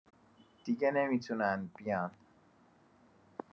دیگه نمی‌تونن بیان.